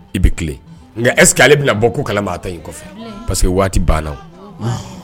I bɛ tilen nka ɛsseke ale bɛna bɔ ko kala maa ta in kɔfɛ pa que waati banna